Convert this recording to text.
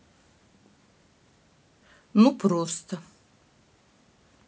ну просто